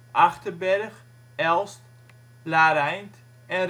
Achterberg, Elst, Laareind en